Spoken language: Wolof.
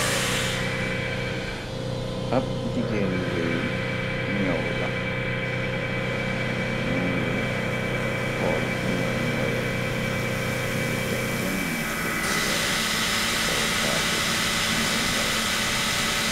Ab jigéen buy ñow la mu ngi xool fu mooy ñowe ngir teg ben namusoor bu weex ci kaw taabul mooy ñowee.